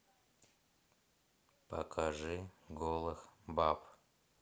покажи голых баб